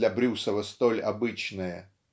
для Брюсова столь обычное?